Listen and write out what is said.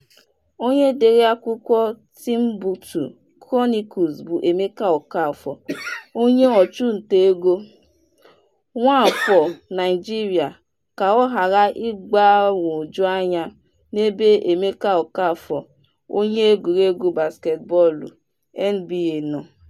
Onye dere akwụkwọ Timbuktu Chronicles bụ Emeka Okafor onye ọchụntaego, nwaafọ Naịjirịa, ka ọ ghara igbagwoju anya n'ebe Emeka Okafor onye egwuregwu basket bọọlụ NBA no.